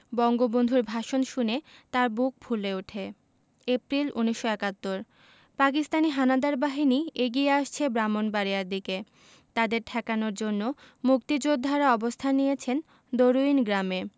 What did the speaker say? বঙ্গবন্ধুর ভাষণ শুনে তাঁর বুক ফুলে ওঠে এপ্রিল ১৯৭১ পাকিস্তানি হানাদার বাহিনী এগিয়ে আসছে ব্রাহ্মনবাড়িয়ার দিকে তাদের ঠেকানোর জন্য মুক্তিযোদ্ধারা অবস্থান নিয়েছেন দরুইন গ্রামে